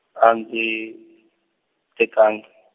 a ndzi, tekanga.